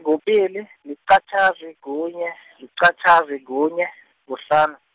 kubili, liqatjhazi, kunye , liqatjhazi, kunye, kuhlanu.